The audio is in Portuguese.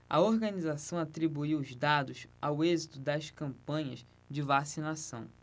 a organização atribuiu os dados ao êxito das campanhas de vacinação